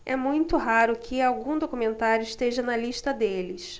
é muito raro que algum documentário esteja na lista deles